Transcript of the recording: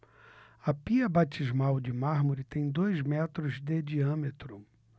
a pia batismal de mármore tem dois metros de diâmetro